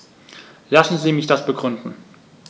Lassen Sie mich das begründen.